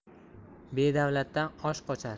bedavlatdan osh qochar